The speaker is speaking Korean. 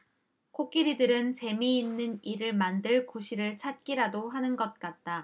코끼리들은 재미있는 일을 만들 구실을 찾기라도 하는 것 같다